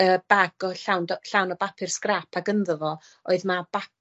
yy bag o llawn do- llawn o bapur sgrap ag ynddo fo oedd 'ma ba-